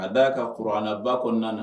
Ka da kan kuranɛba kɔnɔna